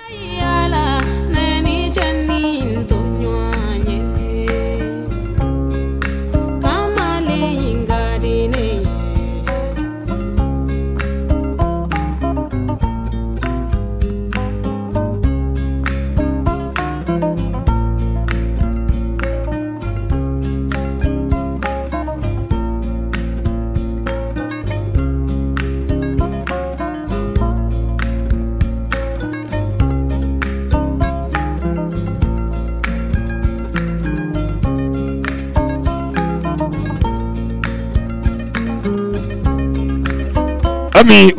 Ya cɛ ka ma ka den kabini